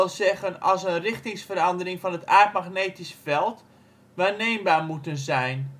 zeggen als een richtingsverandering van het aardmagnetisch veld waarneembaar moeten zijn